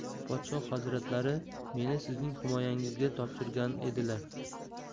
podshoh hazratlari meni sizning himoyangizga topshirgan edilar